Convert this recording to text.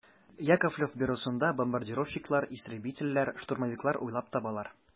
Яковлев бюросында бомбардировщиклар, истребительләр, штурмовиклар уйлап табалар.